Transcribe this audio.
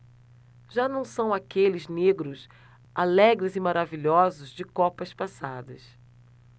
já não são aqueles negros alegres e maravilhosos de copas passadas